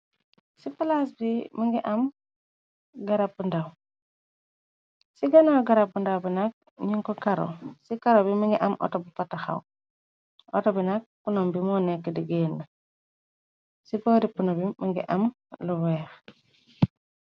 Ci ganaw garab ndaw bi nakk ñiko kar ci karo bi mëngi am atxaw ato bi nak kunom bi moo nekk di géenn ci porippno bi mëngi am lu weex.